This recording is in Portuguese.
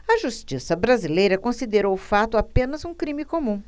a justiça brasileira considerou o fato apenas um crime comum